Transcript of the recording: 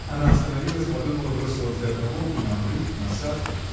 Она остановилась, подумала, бросила взгляд на Волгу, на обрыв, на сад.